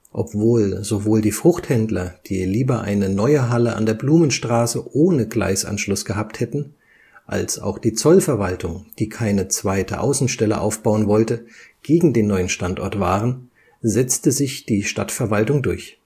Obwohl sowohl die Fruchthändler, die lieber eine neue Halle an der Blumenstraße ohne Gleisanschluss gehabt hätten, als auch die Zollverwaltung, die keine zweite Außenstelle aufbauen wollte, gegen den neuen Standort waren, setzte sich die Stadtverwaltung durch